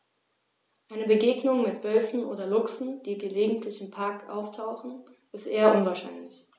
Eine Begegnung mit Wölfen oder Luchsen, die gelegentlich im Park auftauchen, ist eher unwahrscheinlich.